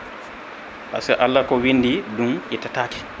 pasque Allah ko windi ɗum ittetake